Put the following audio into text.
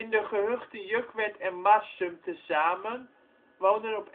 de gehuchten Jukwerd en Marsum tezamen woonden